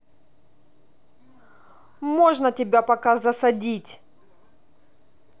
можно тебя пока засадить